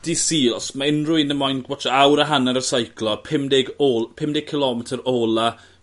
Dydd Sul os ma' unryw un yn moyn gwatsio awr a hanner o seiclo pum deg ol- pum deg cilometer ola